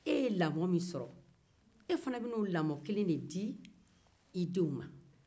e ye lamɔ min sɔrɔ e fana be na o lamɔ kelen de di i denw ma